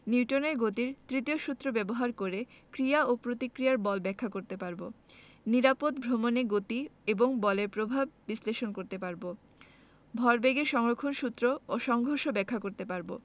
নিউটনের গতির তৃতীয় সূত্র ব্যবহার করে ক্রিয়া ও প্রতিক্রিয়া বল ব্যাখ্যা করতে পারব নিরাপদ ভ্রমণে গতি এবং বলের প্রভাব বিশ্লেষণ করতে পারব ভরবেগের সংরক্ষণ সূত্র ও সংঘর্ষ ব্যাখ্যা করতে পারব